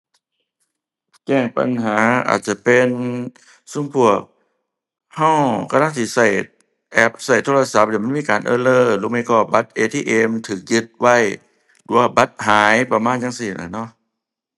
แจ้งปัญหา อาจจะเป็นซุมพวกเรากำลังสิเราแอป เราโทรศัพท์นี่แล้วมันมีการ error หรือไม่ก็บัตร ATM เรายึดไว้หรือว่าบัตรหาย ประมาณจั่งซี้ล่ะเนาะ